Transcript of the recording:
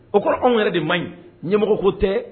O kɔrɔ anw yɛrɛ de man ɲi ɲɛmɔgɔ ko tɛ